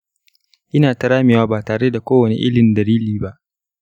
ina ta ramewa ba tare da kowane irin dalili ba.